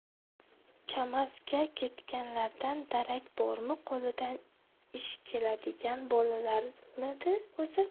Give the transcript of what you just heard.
kamaz ga ketganlardan darak bormi qo'lidan ish keladigan bolalarmidi o'zi